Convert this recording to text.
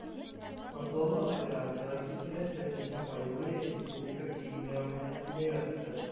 Катлаулы операцияләр кичереп, берничә ай буе Республика клиник дәваханәсендә ятты.